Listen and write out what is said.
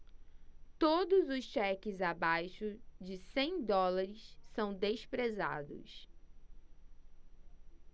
todos os cheques abaixo de cem dólares são desprezados